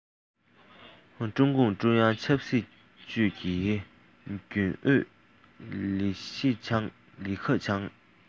ཀྲུང གུང ཀྲུང དབྱང ཆབ སྲིད ཅུས ཀྱི རྒྱུན ཨུ ལི ཁེ ཆང དང